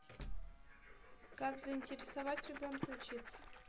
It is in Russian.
как заинтересовать ребенка учиться